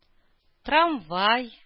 Трамвай